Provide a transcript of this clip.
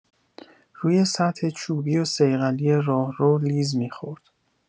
روی سطح چوبی و صیقلی راهرو لیز می‌خورد